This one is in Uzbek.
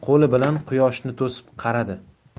quyoshni to'sib qaradi